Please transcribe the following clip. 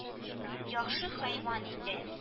Яхшы хайван инде